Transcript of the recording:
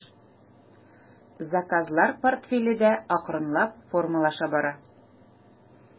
Заказлар портфеле дә акрынлап формалаша бара.